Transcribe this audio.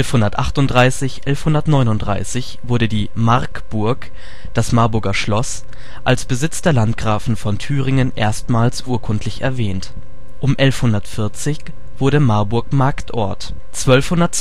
1138/1139 wurde die Marcburg, das Marburger Schloss, als Besitz der Landgrafen von Thüringen erstmals urkundlich erwähnt um 1140 wurde Marburg Marktort 1222